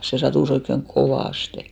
se sattui oikein kovasti